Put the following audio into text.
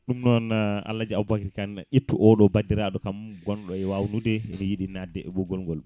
ɗum noon Alaji Aboubacry Kane ƴettu oɗo bandiraɗo kam gonɗo e wawnude ene yiiɗi nadde e ɓoggol gol